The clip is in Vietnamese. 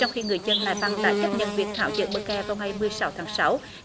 trong khi người dân la đăng đã chấp nhận việc tháo dỡ bờ kè vào ngày mười sáu tháng sáu